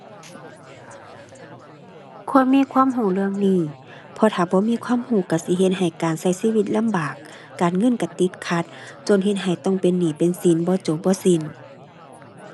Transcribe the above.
ควรมีความรู้เรื่องนี้ เพราะว่าถ้าบ่มีความรู้รู้สิเฮ็ดให้การรู้ชีวิตลำบาก การเงินรู้ติดขัด จนเฮ็ดให้ต้องเป็นหนี้เป็นสิน บ่จบบ่สิ้น